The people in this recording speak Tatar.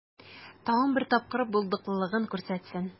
Тагын бер тапкыр булдыклылыгын күрсәтсен.